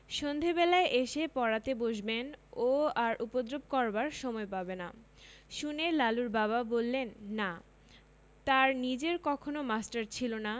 সন্ধ্যেবেলায় এসে পড়াতে বসবেন ও আর উপদ্রব করবার সময় পাবে না শুনে লালুর বাবা বললেন না তাঁর নিজের কখনো মাস্টার ছিল না